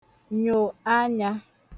nyo anyā